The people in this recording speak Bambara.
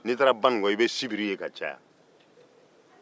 n'i taara baninkɔ i bɛ sibiri ye ka caya